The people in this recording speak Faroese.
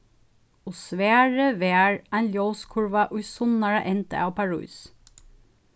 og svarið var ein ljóskurva í sunnara enda av parís